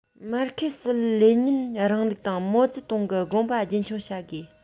མར ཁེ སི ལེ ཉིན རིང ལུགས དང མའོ ཙེ ཏུང གི དགོངས པ རྒྱུན འཁྱོངས བྱ དགོས